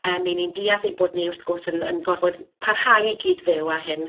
yym, 'y'n ni'n deall ein bod ni wrth gwrs yn yn gorfod parhau i gyd fyw â hyn.